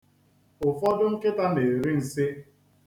Ụfọdụ nkịta na-eri nsi.